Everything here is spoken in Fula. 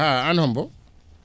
aan hombo